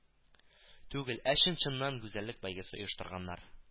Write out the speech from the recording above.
Түгел, ә чын-чыннан гүзәллек бәйгесе оештырганнар